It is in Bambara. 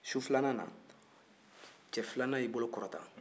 su filanan na cɛ filanan y'i bolo kɔrɔta